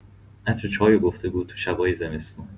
عطر چای و گفت‌وگو تو شبای زمستون